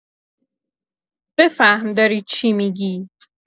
بفهم داری چی می‌گی.